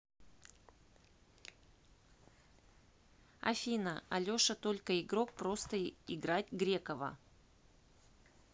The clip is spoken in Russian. афина алеша только игрок prosto играть грекова